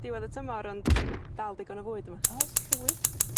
Diwedd y tymor ont dal digon o fwyd yma. Oes llwyth!